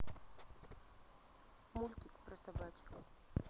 мультик про собачек